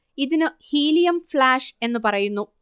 ഇതിനു helium flash എന്നു പറയുന്നു